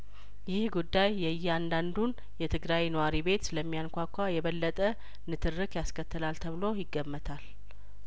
ይህ ጉዳይየእያንዳንዱን የትግራይኗሪ ቤት ስለሚያንኳኳ የበለጠንትርክ ያስከትላል ተብሎ ይገመታል